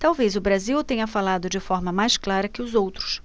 talvez o brasil tenha falado de forma mais clara que os outros